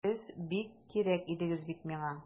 Сез бик кирәк идегез бит миңа!